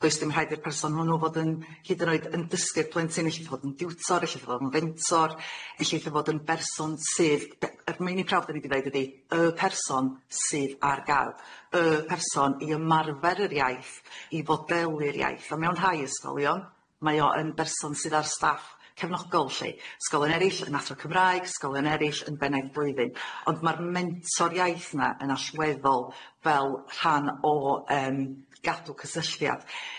Does dim rhaid i'r person hwnnw fod yn hyd yn oed yn dysgu'r plentyn ellith fod yn diwtor ellith fod yn fentor ellith o fod yn berson sydd be- yr meini prawf 'dan ni 'di roid ydi y person sydd ar gael y person i ymarfer yr iaith i fodeui'r iaith, so mewn rhai ysgolion mae o yn berson sydd ar staff cefnogol lly, ysgolion erill yn athro Cymraeg, ysgolion erill yn bennaeth blwyddyn, ond ma'r mentor iaith yna yn allweddol fel rhan o yym gadw cysylltiad.